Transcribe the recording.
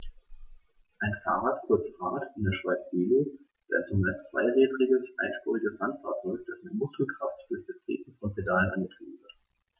Ein Fahrrad, kurz Rad, in der Schweiz Velo, ist ein zumeist zweirädriges einspuriges Landfahrzeug, das mit Muskelkraft durch das Treten von Pedalen angetrieben wird.